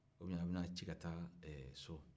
u biyen a bɛ na ci ka taa so